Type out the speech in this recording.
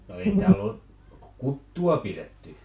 no ei täällä ole kuttua pidetty